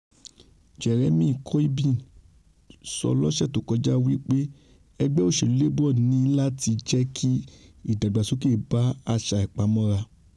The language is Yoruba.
Jeremy Corbyn sọ lọ́sẹ̀ tókọjá wí pé ẹgbẹ́ òṣèlu Labour níláti jẹ́kí ìdàgbàsókè bá àṣà ìpamọ́ra.